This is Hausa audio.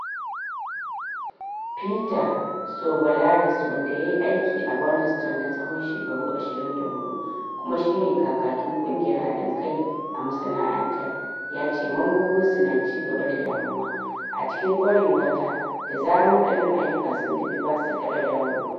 Peter Tsouvallaris, wanda yayi aiki a Burnaston na tsawon shekaru 24 kuma shi ne kakakin kungiyar hadin kai a masana’antar, yace mambobin su na ci gaba da damuwa: “A cikin kwarewata da zaran wadannan ayyukan sun tafi ba sa taba dawowa.